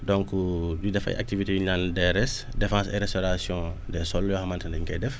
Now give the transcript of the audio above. donc di def ay activités yu ñu naan DRS défense et restauration des sols yoo xamante ne dañ koy def